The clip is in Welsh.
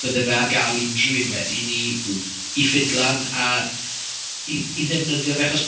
Byddai fe ar gael i unrhyw un wedyn i... m-hm. ...i ffidlan a i i ddefnyddio fe achos.